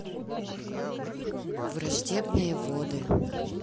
враждебные воды